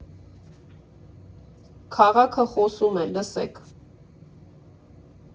Քաղաքը խոսում է, լսեք։